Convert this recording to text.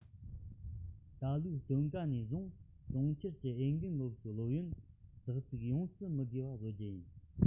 ད ལོའི སྟོན ཀ ནས བཟུང གྲོང ཁྱེར གྱི འོས འགན སློབ གསོའི སློབ ཡོན ཙག ཙིག ཡོངས སུ མི དགོས པ བཟོ རྒྱུ ཡིན